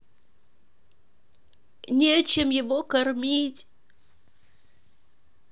нечем его кормить